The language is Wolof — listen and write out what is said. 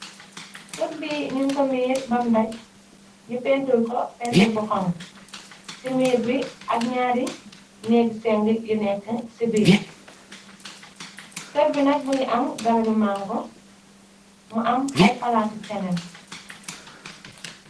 Kër bi ñun ko miir bam daj ñu pentir ko pentir bu honku ci miir bi ak ñaari néggi séng yu nekk ci biir. Kër bi nag mun ngi am garabi mango, mu am ay palaatu cennel.